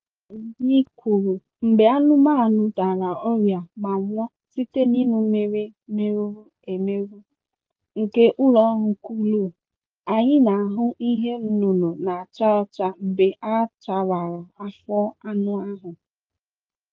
Moahi kwuru, "Mgbe anụmanụ dara ọrịa ma nwụọ site n'ịṅụ mmiri merụrụ emerụ nke ụlọọrụ koolu, anyị na-ahụ ihe nnu nnu na-acha ọcha mgbe a chawara afọ anụ ahụ,"